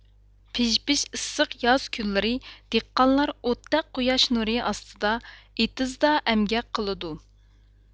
پىژ پىژ ئىسسىق ياز كۈنلىرى دېھقانلار ئوتتەك قۇياش نۇرى ئاستىدا ئېتىزدا ئەمگەك قىلىدۇ